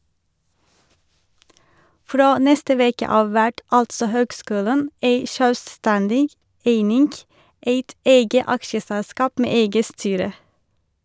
Frå neste veke av vert altså høgskulen ei sjølvstendig eining, eit eige aksjeselskap med eige styre.